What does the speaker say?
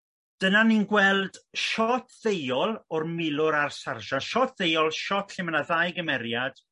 Dyna ni'n gweld siot ddeuol o'r milwr a'r sarsio- siot ddeuol siot lle ma' 'na ddau gymeriad